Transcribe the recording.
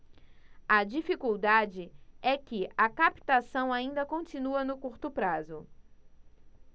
a dificuldade é que a captação ainda continua no curto prazo